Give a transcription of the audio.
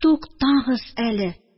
Туктагыз әле.